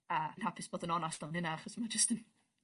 A hapus bod yn onast am hynna achos ma' jyst yn